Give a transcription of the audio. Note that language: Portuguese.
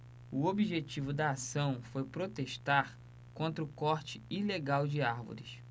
o objetivo da ação foi protestar contra o corte ilegal de árvores